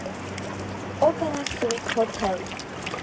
Օպերա Սուիթ Հոթել։